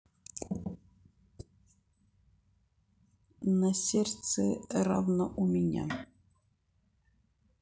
на сердце равно у меня